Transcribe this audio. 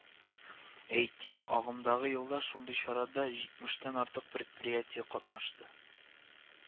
Әйтик, агымдагы елда шундый чарада җитмештән артык предприятие катнашты